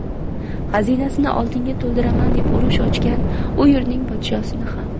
xazinasini oltinga to'ldiraman deb urush ochgan u yurtning podshosini ham